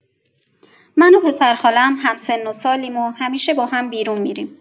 من و پسرخالم هم‌سن‌وسالیم و همیشه با هم بیرون می‌ریم.